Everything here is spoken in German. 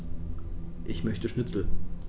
Ich möchte Schnitzel.